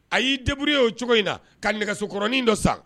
A y'i débrouillé o cogo in na ka nɛgɛso kɔrɔnin dɔ san.